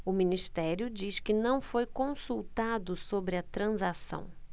o ministério diz que não foi consultado sobre a transação